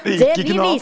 det gikk ikke noe annet.